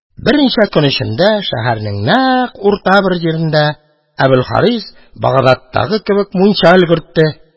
Берничә көн эчендә шәһәрнең нәкъ урта бер җирендә Әбелхарис Багдадтагы кебек мунча өлгертте.